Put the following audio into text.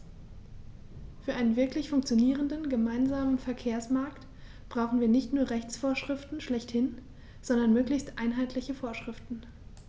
Für einen wirklich funktionierenden gemeinsamen Verkehrsmarkt brauchen wir nicht nur Rechtsvorschriften schlechthin, sondern möglichst einheitliche Vorschriften.